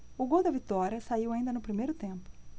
o gol da vitória saiu ainda no primeiro tempo